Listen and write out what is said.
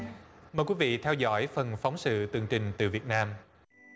mời quý vị theo dõi phần phóng sự tường trình từ việt nam